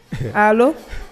Aa